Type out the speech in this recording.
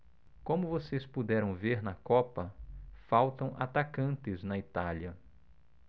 como vocês puderam ver na copa faltam atacantes na itália